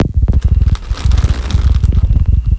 крутые песни для малышей